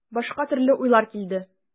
Башка төрле уйлар килде.